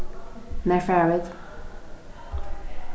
nær fara vit